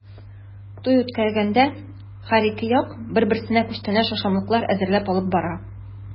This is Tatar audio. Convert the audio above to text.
Туй үткәргәндә һәр ике як бер-берсенә күчтәнәч-ашамлыклар әзерләп алып бара.